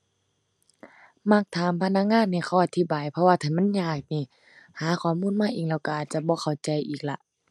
มักถามพนักงานให้เขาอธิบาย เพราะว่าถ้ามันยากนี่ หาข้อมูลมาเองแล้วก็อาจจะบ่เข้าใจอีกล่ะ